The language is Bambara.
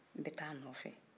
n bɛ ta'a nɔfɛ